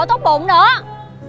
tốt bụng nữa